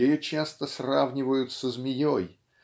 ее часто сравнивают со змеей